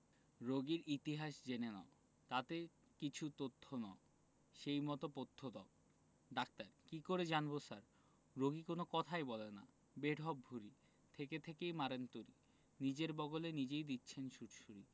রোগীর ইতিহাস জেনে নাও তাতে কিছু তথ্য নাও সেই মত পথ্য দাও ডাক্তার কি করে জানব স্যার রোগী কোন কথাই বলে না বেঢপ ভূঁড়ি থেকে থেকে মারেন তুড়ি নিজের বগলে নিজেই দিচ্ছেন সুড়সুড়ি